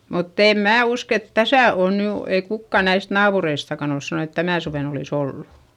mutta en minä usko että tässä on nyt ei kukaan näistä naapureistakaan ole sanonut että tänä suvena olisi ollut